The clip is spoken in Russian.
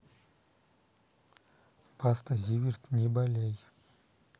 баста зиверт не болей